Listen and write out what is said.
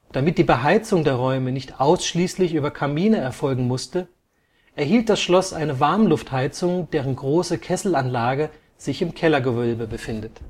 Damit die Beheizung der Räume nicht ausschließlich über Kamine erfolgen musste, erhielt das Schloss eine Warmluftheizung, deren große Kesselanlage sich im Kellergewölbe befindet